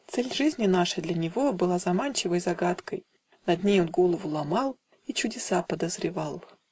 Цель жизни нашей для него Была заманчивой загадкой, Над ней он голову ломал И чудеса подозревал.